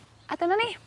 a dyna ni.